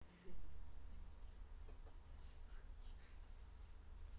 афина как мы по тебе скучали